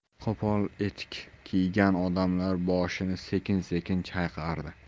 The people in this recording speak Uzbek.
qo'pol etik kiygan odamlar boshini sekin sekin chayqardi